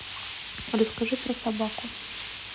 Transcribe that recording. расскажи про собаку